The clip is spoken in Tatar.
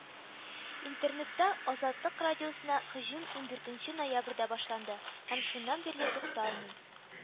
Интернетта Азатлык радиосына һөҗүм ундүртенче ноябрьдә башланды һәм шуннан бирле тукталмый.